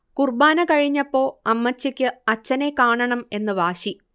കുർബ്ബാന കഴിഞ്ഞപ്പോ അമ്മച്ചിക്ക് അച്ചനെ കാണണം എന്ന് വാശി